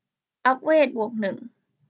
อัพเวทบวกหนึ่ง